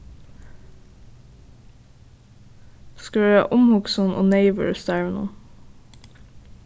tú skalt vera umhugsin og neyvur í starvinum